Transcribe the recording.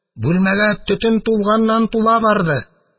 Бүлмәгә төтен тулганнан-тула барды.